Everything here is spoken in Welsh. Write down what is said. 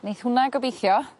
Neith hwnna gobeithio